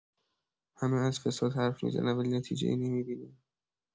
همه از فساد حرف می‌زنن ولی نتیجه‌ای نمی‌بینیم.